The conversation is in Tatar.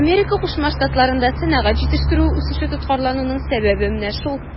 АКШта сәнәгать җитештерүе үсеше тоткарлануның сәбәбе менә шул.